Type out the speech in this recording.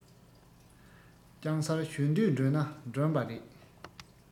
ལྕང གསར གཞོན དུས འདྲོངས ན འདྲོངས པ རེད